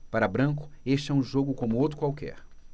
para branco este é um jogo como outro qualquer